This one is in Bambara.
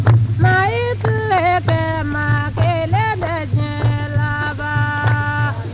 maa y'i tile kɛ maa kelen tɛ diɲɛ laban